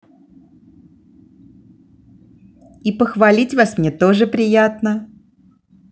и похвалить вас мне тоже приятно